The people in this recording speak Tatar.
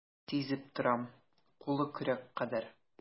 Сизеп торам, кулы көрәк кадәр.